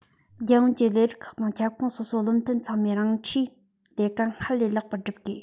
རྒྱལ ཡོངས ཀྱི ལས རིགས ཁག དང ཁྱབ ཁོངས སོ སོའི བློ མཐུན ཚང མས རང འཁྲིའི ལས ཀ སྔར ལས ལེགས པར བསྒྲུབ དགོས